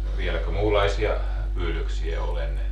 no vieläkö muunlaisia pyydyksiä oli ennen